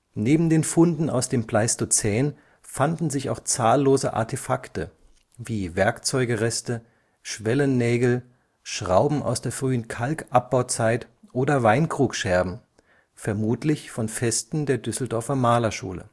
Neben den Funden aus dem Pleistozän fanden sich auch zahllose Artefakte, wie Werkzeugereste, Schwellennägel, Schrauben aus der frühen Kalkabbauzeit oder Weinkrugscherben, vermutlich von Festen der Düsseldorfer Malerschule